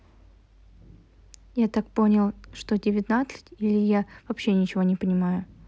я так и понял что девятнадцать или я вообще ничего не понимаю